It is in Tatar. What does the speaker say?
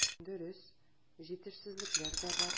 Дөрес, җитешсезлекләр дә бар.